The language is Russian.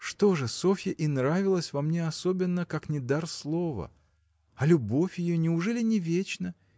Что же Софье и нравилось во мне особенно, как не дар слова? А любовь ее неужели не вечна?.